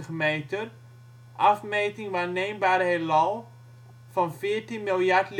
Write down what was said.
meter (afmeting waarneembare heelal van 14 miljard